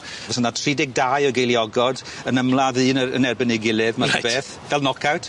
Fysa 'na tri deg dau o geiliogod yn ymladd un yy yn erbyn ei gilydd math o beth fel knock out.